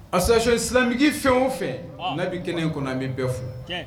A susi silamɛmiki fɛn o fɛ n' bɛ kɛnɛ in kɔnɔ a bɛ n bɛɛ fo